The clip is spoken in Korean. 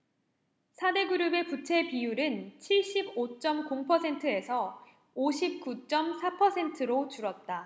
사 대그룹의 부채비율은 칠십 오 쩜 공 퍼센트에서 오십 구 쩜 사 퍼센트로 줄었다